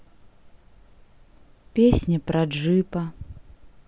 песня про джипа